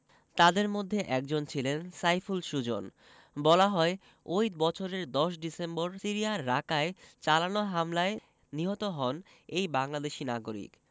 তাঁদের মধ্যে একজন ছিলেন সাইফুল সুজন বলা হয় ওই বছরের ১০ ডিসেম্বর সিরিয়ার রাকায় চালানো হামলায় নিহত হন এই বাংলাদেশি নাগরিক